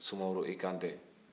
sumaworo i kan tɛ